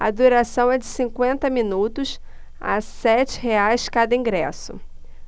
a duração é de cinquenta minutos a sete reais cada ingresso